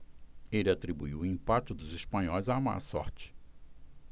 ele atribuiu o empate dos espanhóis à má sorte